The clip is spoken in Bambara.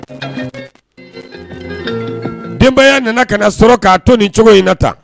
Denbaya nana kana sɔrɔ k'a to ni cogo in na tan